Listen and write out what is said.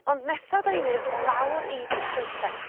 Ond nesa 'dan ni'n mynd lawr i Fachynlleth